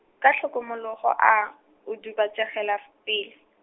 ka tlhokomologo a, udubatsegela, pele.